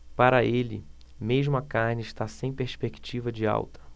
para ele mesmo a carne está sem perspectiva de alta